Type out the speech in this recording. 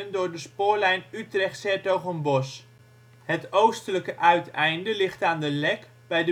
door de spoorlijn Utrecht -' s-Hertogenbosch. Het oostelijke uiteinde ligt aan de Lek bij